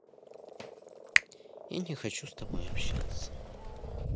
я не хочу с тобой общаться